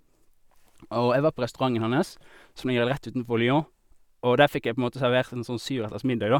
Og jeg var på restauranten hans, som ligger rett utenfor Lyon, og der fikk jeg på en måte servert en sånn syvretters middag, da.